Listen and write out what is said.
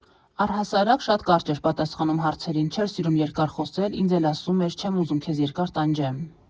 Առհասարակ շատ կարճ էր պատասխանում հարցերին, չէր սիրում երկար խոսել, ինձ էլ ասում էր՝ չեմ ուզում քեզ երկար տանջեմ։